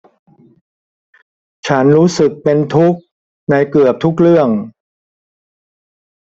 ฉันรู้สึกเป็นทุกข์ในเกือบทุกเรื่อง